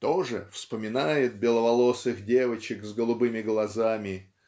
тоже вспоминает беловолосых девочек с голубыми глазами